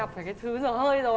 gặp phải cái thứ dở hơi rồi